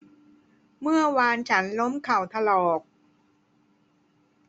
เมื่อวานฉันล้มเข่าถลอก